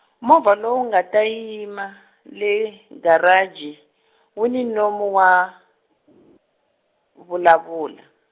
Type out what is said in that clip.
movha lowu nga ta yima, le, garachi wu ni nomu wa, vulavula.